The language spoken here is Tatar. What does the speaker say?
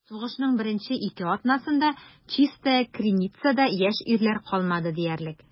Сугышның беренче ике атнасында Чистая Криницада яшь ирләр калмады диярлек.